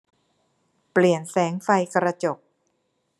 เปลี่ยนแสงไฟกระจก